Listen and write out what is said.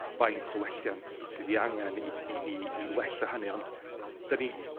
faint o welliant sy- sydd 'i angen i i i i i wella hynny, ond 'dan ni